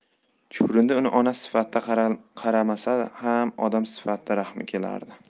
chuvrindi uni ona sifatida qadrlamasa ham odam sifatida rahmi kelardi